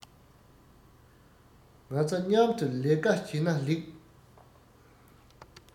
ང ཚ མཉམ དུ ལས ཀ བྱས ན ལེགས